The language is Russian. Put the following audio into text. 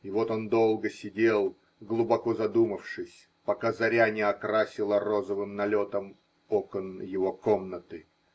И вот он долго сидел, глубоко задумавшись, пока заря не окрасила розовым налетом окон его комнаты.